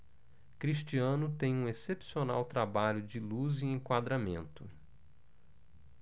cristiano tem um excepcional trabalho de luz e enquadramento